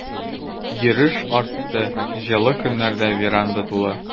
Йөреш артты, җылы көннәрдә веранда тулы.